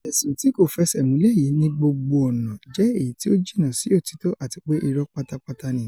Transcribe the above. Ẹ̀sùn ti kòfẹsẹ̀múlẹ̀ yìí ní gbogbo ọ̀nà jẹ èyití ó jìnnà sí òtítọ àtipé irọ́ pátápátá ni.''